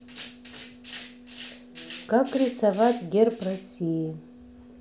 как рисовать герб россии